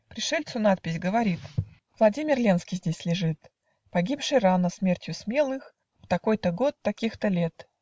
Пришельцу надпись говорит: "Владимир Ленский здесь лежит, Погибший рано смертью смелых, В такой-то год, таких-то лет.